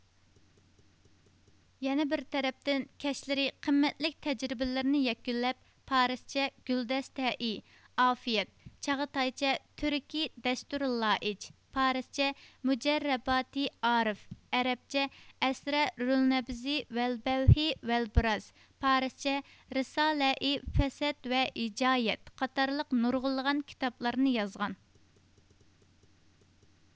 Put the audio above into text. يەنە بىرتەرەپتىن كەچلىرى قىممەتلىك تەجرىبىلىرىنى يەكۈنلەپ پارىسچە گۈلدەستەئى ئافىيەت چاغاتايچە تۈركى دەستۇرۇلئىلاج پارىسچە مۇجەررەباتى ئارىف ئەرەپچە ئەسىرارۇلنەبزى ۋەلبەۋلى ۋەلبىراز پارىسچە رىسالەئى فەسەد ۋە ھىجايەت قاتارلىق نۇرغۇنلىغان كىتابلارنى يازغان